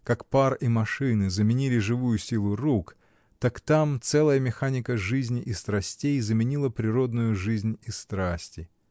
Как пар и машины заменили живую силу рук, так там целая механика жизни и страстей заменила природную жизнь и страсти.